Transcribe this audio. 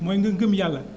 mooy nga gëm yàlla